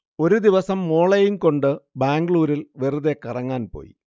ഒരു ദിവസം മോളേയും കൊണ്ട് ബാംഗ്ലൂരിൽ വെറുതെ കറങ്ങാൻ പോയി